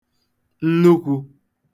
nnukwū